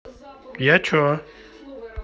я че